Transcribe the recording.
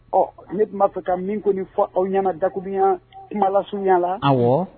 Ɔ ne tun b'a fɛ ka min kɔni fɔ aw ɲɛna dakubiya kumalasya la